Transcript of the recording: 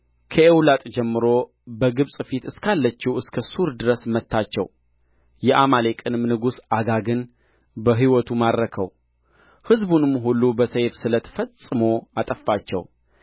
ከኤውላጥ ጀምሮ በግብጽ ፊት እስካለችው እስከ ሱር ድረስ መታቸው የአማሌቅንም ንጉሥ አጋግን በሕይወቱ ማረከው ሕዝቡንም ሁሉ በሰይፍ ስለት ፈጽሞ አጠፋቸው